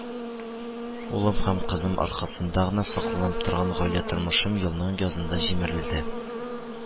Улым һәм кызым аркасында гына сакланып торган гаилә тормышым елның язында җимерелде